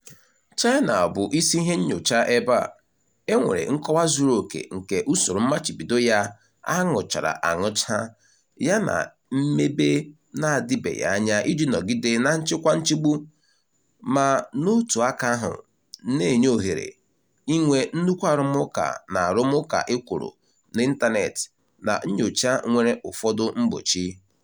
China bụ isi ihe nnyocha ebe a, e nwere nkọwa zuru oke nke usoro mmachibido ya a ṅụchara aṅụcha yana mmepe n'adịbeghị anya iji nọgide na nchịkwa nchịgbu, ma n'otu aka ahụ na-enye ohere,"... inwe nnukwu arụmụka na arụmụka ekworo n'ịntanetị na nnyocha nwere ụfọdụ mgbochi."